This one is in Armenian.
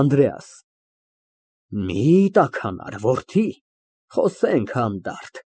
ԱՆԴՐԵԱՍ ֊ Մի տաքանար, որդի, խոսենք հանդարտ։